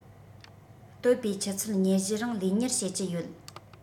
གཏོད པའི ཆུ ཚོད ༢༤ རིང ལས གཉེར བྱེད ཀྱི ཡོད